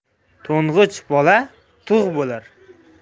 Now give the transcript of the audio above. to'ng'ich bola tug' bo'lar